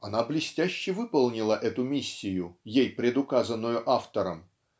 она блестяще выполнила эту миссию, ей предуказанную автором